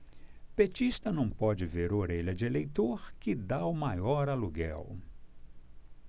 petista não pode ver orelha de eleitor que tá o maior aluguel